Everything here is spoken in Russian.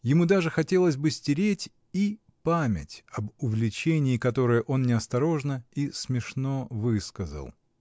Ему даже хотелось бы стереть и память об увлечении, которое он неосторожно и смешно высказал.